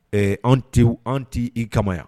Ɛɛ an tɛ an tɛ i kama yan